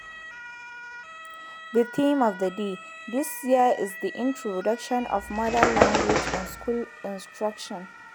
The theme of the Day this year is the introduction of mother languages in school instruction.